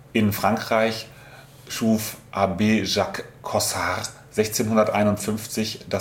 In Frankreich schuf Abbé Jacques Cossard 1651